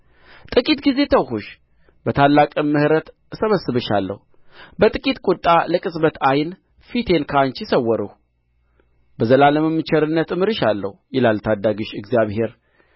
ጥቂት ጊዜ ተውሁሽ በታላቅም ምሕረት እሰበስብሻለሁ በጥቂት ቍጣ ለቅጽበት ዓይን ፊቴን ከአንቺ ሰወርሁ በዘላለምም ቸርነት እምርሻለሁ ይላል ታዳጊሽ እግዚአብሔር